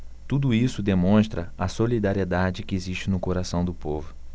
tudo isso demonstra a solidariedade que existe no coração do povo